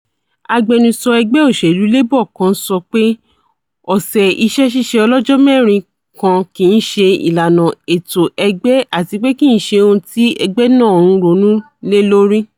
Agbẹnusọ Ẹgbẹ́ Òṣèlú Labour kan sọ pé: 'Ọ̀sẹ̀ iṣẹ́-ṣíṣe ọlọ́jọ́-mẹ́rin kan kìí ṣe ìlànà ètò ẹgbẹ́ àtipé kì i ṣe ohun tí ẹgbẹ́ náà ńronú lé lórí.'